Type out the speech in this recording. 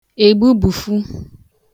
ègbubufu